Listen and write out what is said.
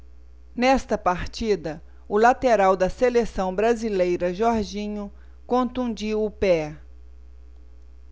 nesta partida o lateral da seleção brasileira jorginho contundiu o pé